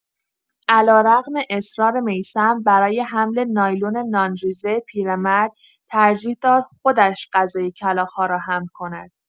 علی‌رغم اصرار میثم برای حمل نایلون نان‌ریزه پیرمرد، ترجیح داد خودش غذای کلاغ‌ها را حمل کند.